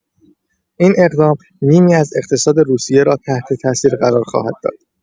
این اقدام، نیمی از اقتصاد روسیه را تحت‌تاثیر قرار خواهد داد.